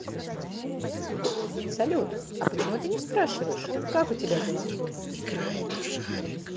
салют а почему ты не спрашиваешь как у тебя дела